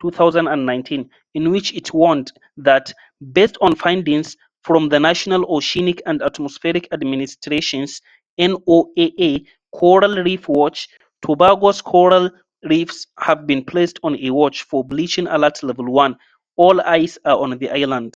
2019, in which it warned that — based on findings from the National Oceanic and Atmospheric Administration's (NOAA) Coral Reef Watch — Tobago's coral reefs have been placed on a watch for "Bleaching Alert Level One", all eyes are on the island.